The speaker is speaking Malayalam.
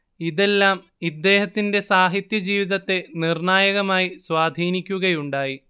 ഇതെല്ലാം ഇദ്ദേഹത്തിന്റെ സാഹിത്യജീവിതത്തെ നിർണായകമായി സ്വാധീനിക്കുകയുണ്ടായി